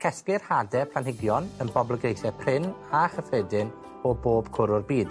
Cesglir hade'r planhigion, yn boblogaethe prin, a chyffredin, o bob cwr o'r byd.